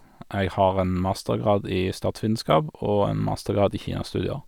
Jeg har en mastergrad i statsvitenskap og en mastergrad i kinastudier.